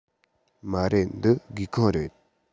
མ རེད འདི སྒེའུ ཁུང རེད